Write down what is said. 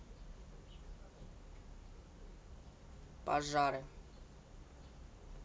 пожары